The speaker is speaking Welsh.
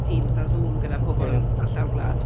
Teams a Zoom gyda... ie. ...pobol ar llawr gwlad.